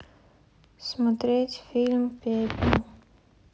смотреть фильм пепел